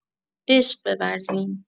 عشق بورزیم.